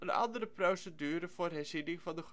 andere procedure voor herziening van de